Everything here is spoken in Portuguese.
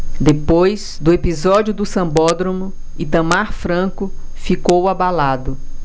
depois do episódio do sambódromo itamar franco ficou abalado